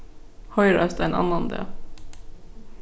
hoyrast ein annan dag